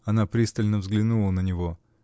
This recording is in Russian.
Она пристально взглянула на него.